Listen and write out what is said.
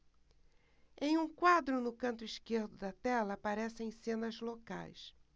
em um quadro no canto esquerdo da tela aparecem cenas locais